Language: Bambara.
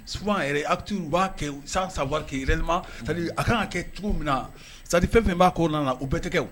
Souvent yɛrɛ acte u b'a kɛ sans savoir que réellement, c'est à dire a kan ka kɛ cogo min na c'est à dire fɛn fɛn b'a kɔnɔna o bɛɛ tɛ kɛ o.